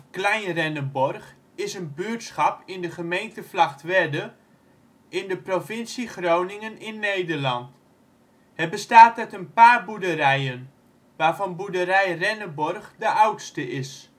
Klein Renneborg is een buurtschap in de gemeente Vlagtwedde in de provincie Groningen in Nederland. Het bestaat uit een paar boerderijen. waarvan boerderij " Renneborg " de oudste is